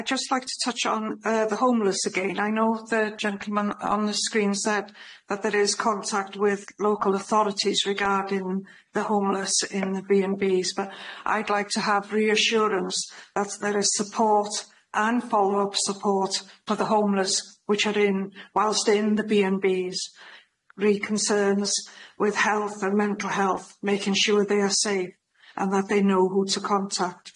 I'd just like to touch on the homeless again. I know the gentleman on the screen said that there is contact with local authorities regarding the homeless in the B&Bs, but I'd like to have reassurance that there is support and follow-up support for the homeless which are in, whilst in the B&Bs, re-concerns with health and mental health, making sure they are safe and that they know who to contact.